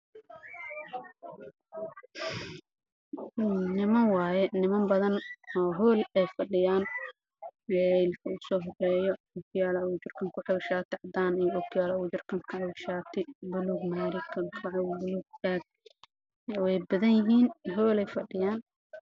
Niman badan oo hool fadhiya